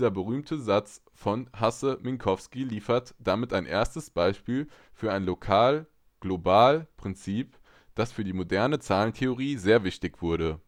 berühmte Satz von Hasse-Minkowski liefert damit ein erstes Beispiel für ein Lokal-Global-Prinzip, das für die moderne Zahlentheorie sehr wichtig wurde